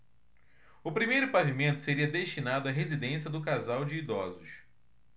o primeiro pavimento seria destinado à residência do casal de idosos